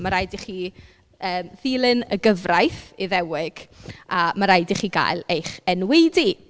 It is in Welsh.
Ma' raid i chi yym ddilyn y gyfraith Iddewig, a ma' raid i chi gael eich enwaedu.